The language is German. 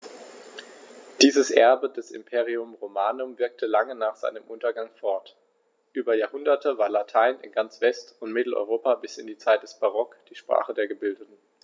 Dieses Erbe des Imperium Romanum wirkte lange nach seinem Untergang fort: Über Jahrhunderte war Latein in ganz West- und Mitteleuropa bis in die Zeit des Barock die Sprache der Gebildeten.